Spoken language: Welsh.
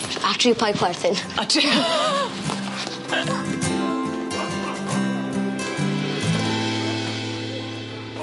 A trio paid chwerthin. A trio...